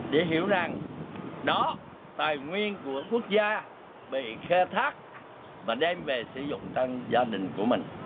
để hiểu rằng đó tài nguyên của quốc gia bị khai thác và đem về sử dụng trong gia đình của mình